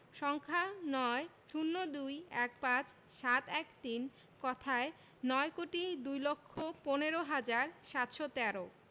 সংখ্যাঃ ৯ ০২ ১৫ ৭১৩ কথায়ঃ নয় কোটি দুই লক্ষ পনেরো হাজার সাতশো তেরো